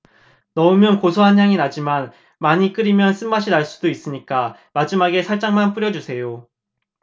넣으면 고소한 향이 나지만 많이 끓이면 쓴맛이 날 수 있으니까 마지막에 살짝만 뿌려주세요